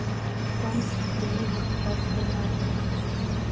томск в плену депутатской мафии